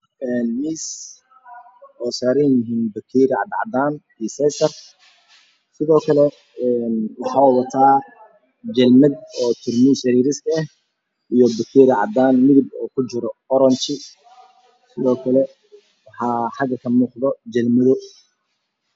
Miis oo saaran yihiin bakeriyal cad cadaan ah iyo say shar sidookale waxa uu wataa jalmad oo tarmuus ah oo yariis ah iyo bakeeri cadaan ah oo uu kujiro midab oronge ah sidookale waxaa xaga danbe kamuuqdo jalmado badan